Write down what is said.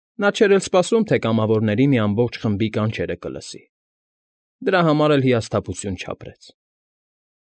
Նա չէր էլ սպասում, թե կամավորների մի ամբողջ խմբի կանչերը կսլի, դրա համար էլ հիասթափություն չապրեց։